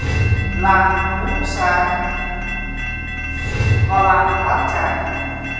làng ngũ xá và làng bát tràng